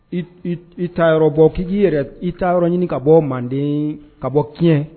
I i ta yɔrɔ bɔ k' yɛrɛ i ta yɔrɔ ɲini ka bɔ manden ka bɔ tiɲɛ